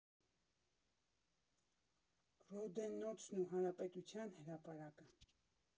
Ռոդեննոցն ու Հանրապետության Հրապարակը։